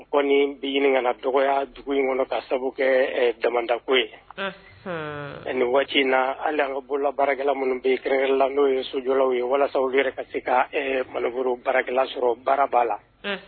Kɔni bi ɲini ka na dɔgɔya dugu in kɔnɔ ka sabu kɛɛ ɛ damanda ko ye unh hunnn e ni waati in naa hali an ka bolola baarakɛla minnu bɛ ye kɛrɛnkɛrɛnla n'o ye sojɔlaw ye walasa olu yɛrɛ ka se kaa ɛɛ malobɔrɔ barakɛla sɔrɔ baara b'a la unh